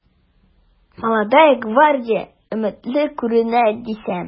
“молодая гвардия” өметле күренә дисәм...